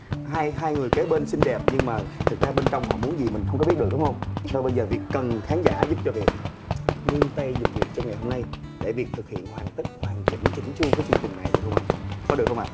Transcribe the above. hai hai người kế bên xinh đẹp nhưng mà thực ra bên trong họ muốn gì mình không có biết được đúng không bây giờ việt cần khán giả giúp cho việt nương tay giùm việt trong ngày hôm nay để việt thực hiện hoàn tất hoàn chỉnh chỉn chu với chương trình này được không ạ có được không ạ